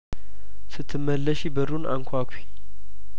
ስትመለሺ በሩን አንኳኲ